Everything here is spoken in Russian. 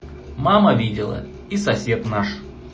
мама видела и сосед наш